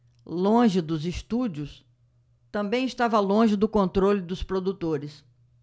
longe dos estúdios também estava longe do controle dos produtores